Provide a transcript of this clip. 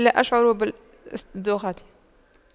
لا أشعر دوخة